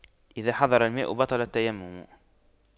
إذا حضر الماء بطل التيمم